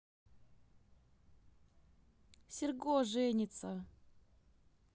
серго женится